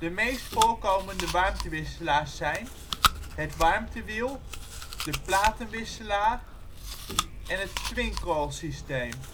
meest voorkomende warmtewisselaars zijn: het warmtewiel de platenwisselaar het twincoilsysteem